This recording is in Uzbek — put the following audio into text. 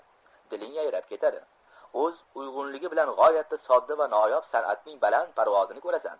o'z uyg'unligi bilan g'oyatda sodda va noyob san'atning baland parvozini ko'rasan